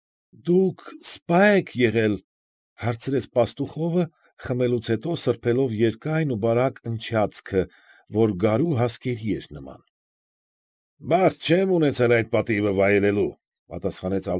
Դուք սպա՞ եք եղել,֊ հարցրեց Պաստուխովը, խմելով հետո սրբելով երկայն ու բարակ ընչանցքը, որ գարու հասկերի էր նման։ ֊ Բախտ չեմ ունեցել այդ պատիվը վայելելու,֊ պատասխանեց։